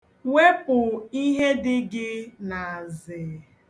Wepu ihe dị gị n'azị.